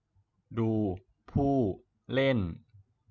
ดูผู้เล่น